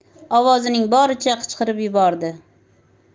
ovozining boricha qichqirib yubordi